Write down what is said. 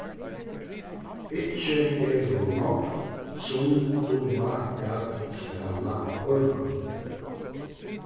ikki eru nógv sum duga at spæla orgul